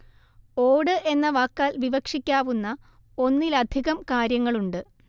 ഓട് എന്ന വാക്കാൽ വിവക്ഷിക്കാവുന്ന ഒന്നിലധികം കാര്യങ്ങളുണ്ട്